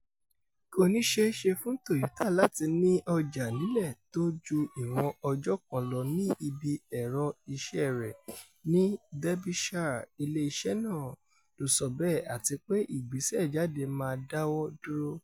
Kò ní ṣeéṣe fún Tòyótà láti ní ọjà nílẹ̀ tó ju ìwọ̀n ọjọ́ kan lọ ní ibi Ẹ̀rọ iṣẹ́ rẹ̀ ní Derbyshire, ilé iṣẹ́ náà ló sọ bẹ́ẹ̀, àtipé ìgbéṣẹ́jáde máa dáwọ́ dúró.